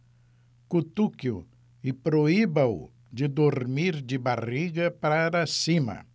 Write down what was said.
cutuque-o e proíba-o de dormir de barriga para cima